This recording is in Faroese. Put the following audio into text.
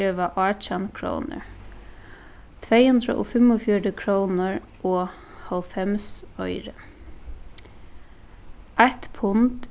geva átjan krónur tvey hundrað og fimmogfjøruti krónur og hálvfems oyru eitt pund